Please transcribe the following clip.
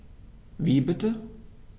Wie bitte?